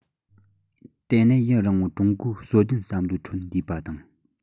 དེ ནི ཡུན རིང བོར ཀྲུང གོའི སྲོལ རྒྱུན བསམ བློའི ཁྲོད འདུས པ དང